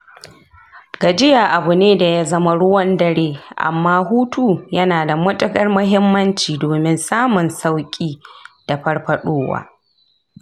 gajiya abu ne da ya zama ruwan dare amma hutu yana da matuƙar muhimmanci domin samun sauƙi da farfaɗowa.